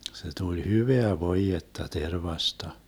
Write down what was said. se tuli hyvää voidetta tervasta